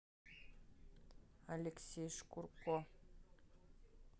алексей шкурко